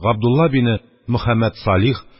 Габдулла бине Мөхәммәдсалих,